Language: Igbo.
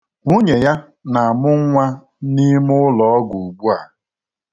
Nwunye ya na-amụ nnwa n'ime ụlọ ọgwụ ugbua.